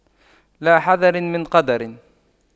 لا حذر من قدر